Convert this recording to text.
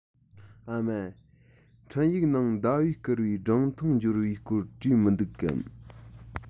ཨ མ འཕྲིན ཡིག ནང ཟླ བས བསྐུར བའི སྒྲུང ཐུང འབྱོར བའི སྐོར བྲིས མི འདུག གམ